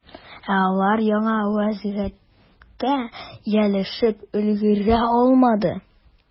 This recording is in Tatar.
Ә алар яңа вәзгыятькә ияләшеп өлгерә алмады.